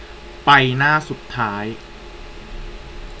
ไปหน้าสุดท้าย